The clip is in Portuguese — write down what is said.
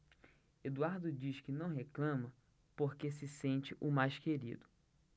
eduardo diz que não reclama porque se sente o mais querido